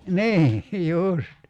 niin just